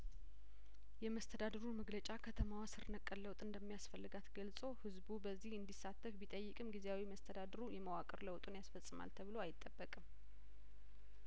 የመስተዳድሩ መግለጫ ከተማዋ ስር ነቀል ለውጥ እንደሚያስፈልጋት ገልጾ ህዝቡ በዚህ እንዲ ሳተፍ ቢጠይቅም ጊዜያዊ መስተዳድሩ የመዋቅር ለውጡን ያስፈጽማል ተብሎ አይጠበቅም